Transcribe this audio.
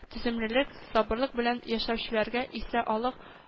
Түземлелек, сабырлык белән яшәүчеләргә исә аллаһы